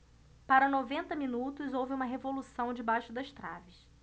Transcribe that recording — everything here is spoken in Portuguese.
para noventa minutos houve uma revolução debaixo das traves